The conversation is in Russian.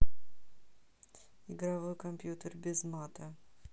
игровой компьютер без мата